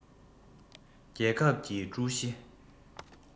རྒྱལ ཁབ ཀྱི ཀྲུའུ ཞི